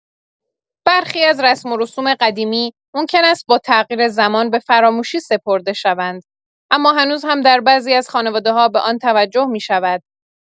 برخی از رسم و رسوم قدیمی ممکن است با تغییر زمان به فراموشی سپرده شوند، اما هنوز هم در بعضی از خانواده‌ها به آن توجه می‌شود.